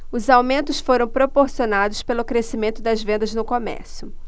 os aumentos foram proporcionados pelo crescimento das vendas no comércio